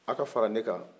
a ka fara n kan